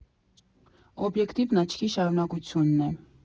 «Օբյեկտիվն աչքի շարունակությունն է։